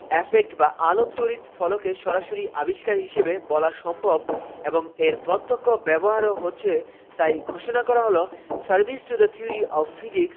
effect বা আলোক তড়িৎ ফলকে সরাসরি আবিষ্কার হিসেবে এবং এর প্রত্যক্ষ ব্যবহার ও হচ্ছে তাই ঘোষণা করা হল service to the theory of physics